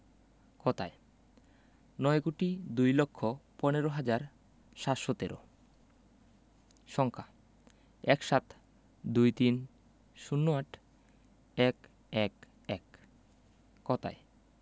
কথায়ঃ নয় কোটি দুই লক্ষ পনেরো হাজার সাতশো তেরো সংখ্যাঃ ১৭ ২৩ ০৮ ১১১ কথায়ঃ